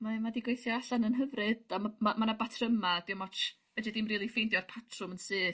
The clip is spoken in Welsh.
mae mae 'di gweithio allan yn hyfryd a ma' ma' 'na batryma dim otsh fedri di'm rili ffeindio'r patrwm yn syth...